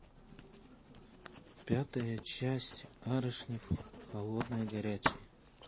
пятая часть арышнев холодное горячее